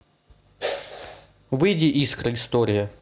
выйди искра история